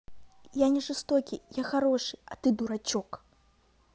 я не жестокий я хороший а ты дурачок